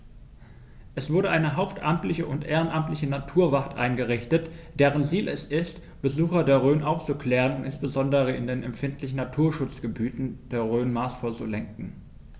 Es wurde eine hauptamtliche und ehrenamtliche Naturwacht eingerichtet, deren Ziel es ist, Besucher der Rhön aufzuklären und insbesondere in den empfindlichen Naturschutzgebieten der Rhön maßvoll zu lenken.